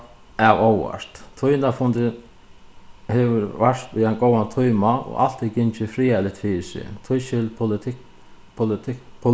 av óvart tíðindafundurin hevur vart í ein góðan tíma og alt er gingið friðarligt fyri seg tískil